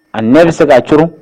A ne bɛ se ka c